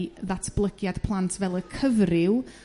i ddatblygiad plant fel y cyfryw